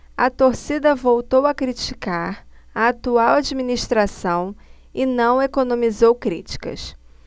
a torcida voltou a criticar a atual administração e não economizou críticas